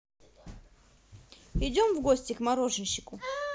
идем в гости к мороженщику